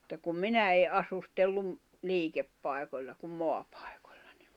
mutta kun minä en asustellut liikepaikoilla kun maapaikoilla niin